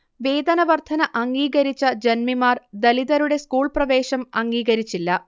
വേതനവർധന അംഗീകരിച്ച ജന്മിമാർ ദലിതരുടെ സ്കൂൾപ്രവേശം അംഗീകരിച്ചില്ല